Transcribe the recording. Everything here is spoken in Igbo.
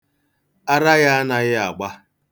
Ara ya anaghị agba.